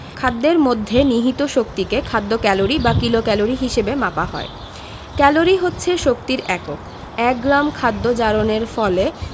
খাদ্যের মধ্যে নিহিত শক্তিকে খাদ্য ক্যালরি বা কিলোক্যালরি হিসেবে মাপা হয় ক্যালরি হচ্ছে শক্তির একক এক গ্রাম খাদ্য জারণের ফলে